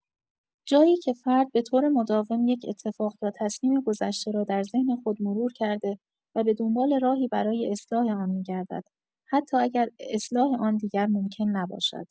جایی که فرد به‌طور مداوم یک اتفاق یا تصمیم گذشته را در ذهن خود مرور کرده و به دنبال راهی برای اصلاح آن می‌گردد، حتی اگر اصلاح آن دیگر ممکن نباشد.